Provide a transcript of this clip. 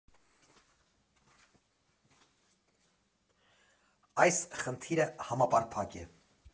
Այս խնդիրը համապարփակ է։